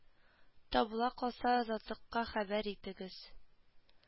Табыла калса азатлык ка хәбәр итегез